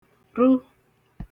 ru